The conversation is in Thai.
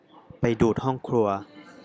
ไปดูดห้องครัว